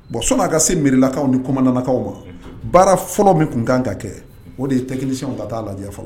Bon so'a ka se miirilakaw ni kokaw ma baara fɔlɔ min tun kan ka kɛ o de ye tɛ kelensi ka taa lajɛ faga